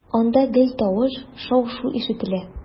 Анда гел тавыш, шау-шу ишетелә.